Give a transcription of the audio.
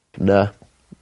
Na.